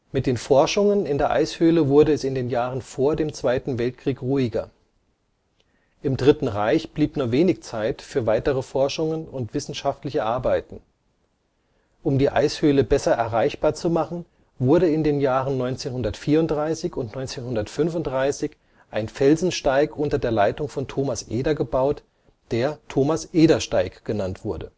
Mit den Forschungen in der Eishöhle wurde es in den Jahren vor dem Zweiten Weltkrieg ruhiger. Im Dritten Reich blieb nur wenig Zeit für weitere Forschungen und wissenschaftliche Arbeiten. Um die Eishöhle besser erreichbar zu machen, wurde in den Jahren 1934 und 1935 ein Felsensteig unter der Leitung von Thomas Eder gebaut, der Thomas-Eder-Steig genannt wurde